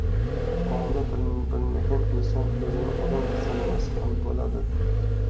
ona tilini bilmagan inson o'zini odam sanamasa ham bo'ladi